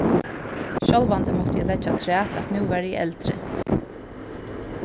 sjálvandi mátti eg leggja afturat at nú var eg eldri